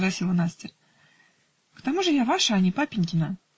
-- возразила Настя, -- к тому же я ваша, а не папенькина.